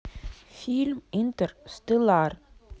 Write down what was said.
фильм интерстеллар